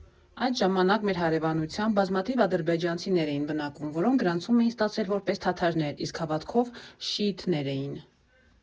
Այդ ժամանակ մեր հարևանությամբ բազմաթիվ ադրբեջանցիներ էին բնակվում, որոնք գրանցում էին ստացել որպես թաթարներ, իսկ հավատքով շիիթներ էին։